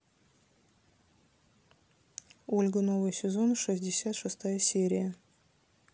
ольга новый сезон шестьдесят шестая серия